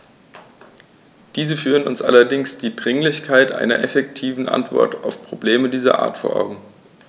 Diese führen uns allerdings die Dringlichkeit einer effektiven Antwort auf Probleme dieser Art vor Augen.